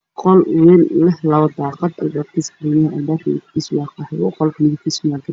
Kol weyn oo leh laba daaqad iyo albaab qolka midabkiisana waa caddaan